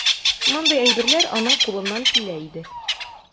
Мондый әйберләр аның кулыннан килә иде.